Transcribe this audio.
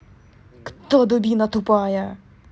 кто дубина тупая